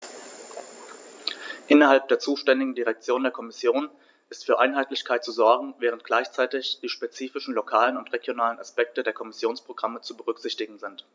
Innerhalb der zuständigen Direktion der Kommission ist für Einheitlichkeit zu sorgen, während gleichzeitig die spezifischen lokalen und regionalen Aspekte der Kommissionsprogramme zu berücksichtigen sind.